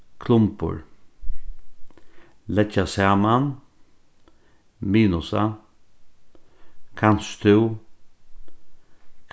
klombur leggja saman minusa kanst tú